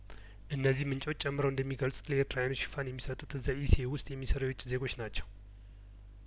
እነዚህ ምንጮች ጨምረው እንደሚገልጹት ለኤርትራዊያኖቹ ሽፋን የሚሰጡት እዚያው ኢሲኤ ውስጥ የሚሰሩ የውጭ ዜጐች ናቸው